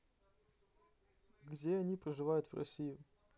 где они проживают в россии